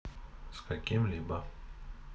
с каким либо